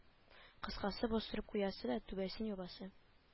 Кыскасы бастырып куясы да түбәсен ябасы